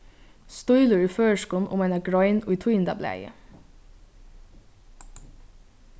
stílur í føroyskum um eina grein í tíðindablaði